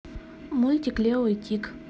мультик лео и тиг